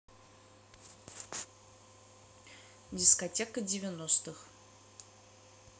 дискотека девяностых